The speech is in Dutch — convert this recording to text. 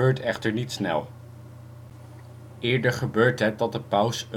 echter niet snel. Eerder gebeurt het dat de paus